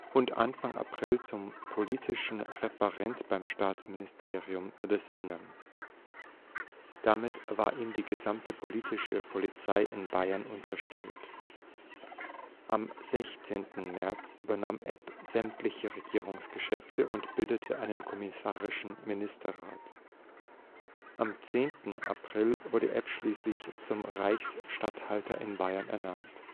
und Anfang April zum „ Politischen Referent beim Staatsministerium des Innern “. Damit war ihm die gesamte Politische Polizei in Bayern unterstellt. Am 16. März übernahm Epp sämtliche Regierungsgeschäfte und bildete einen kommissarischen Ministerrat. Am 10. April wurde Epp schließlich zum Reichsstatthalter in Bayern ernannt